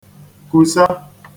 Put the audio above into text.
-kùsa